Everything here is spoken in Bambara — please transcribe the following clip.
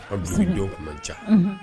An bɛ fɔ jɔn kuma ca